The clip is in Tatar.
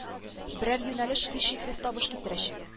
Берәр юнәлеш һичшиксез табыш китерәчәк